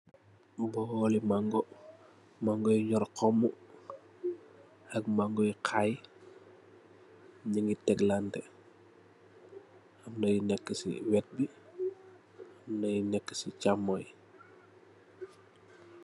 Bole mangou mangou yu nur kumu ak mangou yu heyy nuge teglanteh amna yu neke se wet be amna yu neke se chamuye.